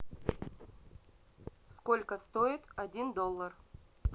сколько стоит один доллар